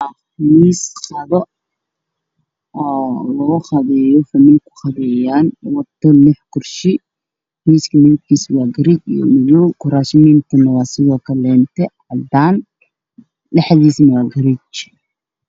Meeshan waa qol waxaa yaallaan ah kuraas iyo miisas cadays ah albaabka waa qaxwi